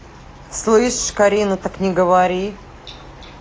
слышишь карина так не говори